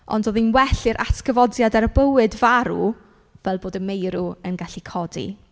Ond oedd hi'n well i'r atgyfodiad ar y bywyd farw, fel bod y meirw yn gallu codi.